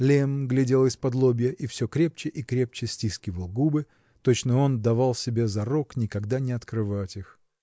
Лемм глядел исподлобья и все крепче и крепче стискивал губы, точно он давал себе зарок никогда не открывать их.